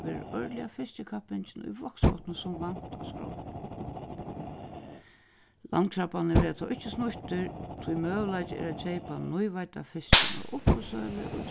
verður árliga fiskikappingin í vágsbotni sum vant á skránni landkrabbarnir verða tó ikki snýttir tí møguleiki er at keypa nýveidda fiskin á uppboðssølu og